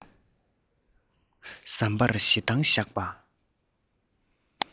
ཟམ པར ཞེ འདང བཞག པ